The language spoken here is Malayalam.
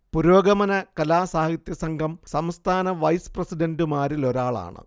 പുരോഗമന കലാ സാഹിത്യ സംഘം സംസ്ഥാന വൈസ് പ്രസിഡന്റുമാരിലൊരാളാണ്